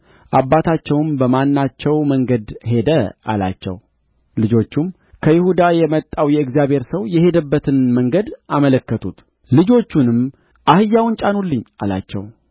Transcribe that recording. አባታቸውም በማናቸው መንገድ ሄደ አላቸው ልጆቹም ከይሁዳ የመጣው የእግዚአብሔር ሰው የሄደበትን መንገድ አመለከቱት ልጆቹንም አህያውን ጫኑልኝ አላቸው